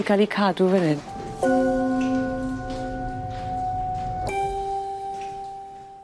'Di ca'l 'u cadw fan 'yn.